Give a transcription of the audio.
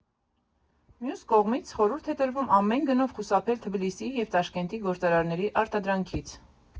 Մյուս կողմից՝ խորհուրդ է տրվում ամեն գնով խուսափել Թբիլիսիի և Տաշկենտի գործարանների արտադրանքից։